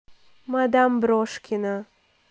мадам брошкина